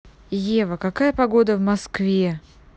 ева какая погода в москве